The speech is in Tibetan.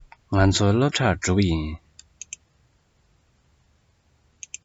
ང ཚོ སློབ གྲྭར འགྲོ གི ཡིན